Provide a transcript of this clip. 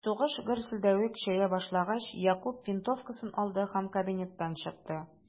Сугыш гөрселдәве көчәя башлагач, Якуб винтовкасын алды һәм кабинеттан чыкты.